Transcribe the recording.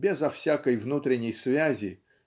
безо всякой внутренней связи